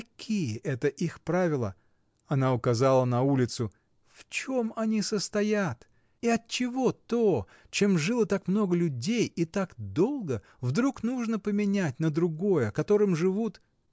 : какие это их правила, — она указала на улицу, — в чем они состоят, и отчего то, чем жило так много людей и так долго, вдруг нужно менять на другое, которым живут.